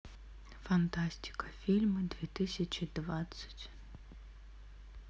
фантастика фильмы две тысячи двадцать